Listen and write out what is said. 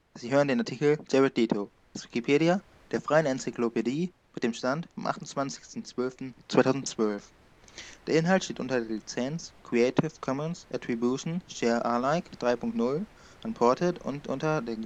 Sie hören den Artikel Jared Leto, aus Wikipedia, der freien Enzyklopädie. Mit dem Stand vom Der Inhalt steht unter der Lizenz Creative Commons Attribution Share Alike 3 Punkt 0 Unported und unter der